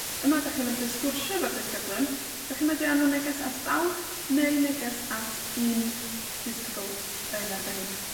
yma 'dach chi medru sgwrsio efo'r disgyblion. 'Dach chi'n medru anfon neges at bawb neu neges at un ddisgybl myn arbennig